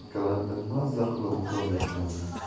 maza qilib uxlab yotgandi